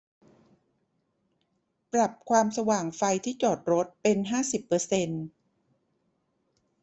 ปรับความสว่างไฟที่จอดรถเป็นห้าสิบเปอร์เซ็นต์